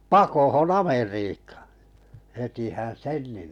pakoon Amerikkaan hetihän sen niin